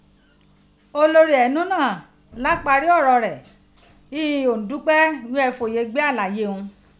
Olori Enu naa la pari ọrọ rẹ ghi oun dupẹ ghii ẹ fi oye gbe alaye oun.